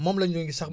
moom la ñooñu sax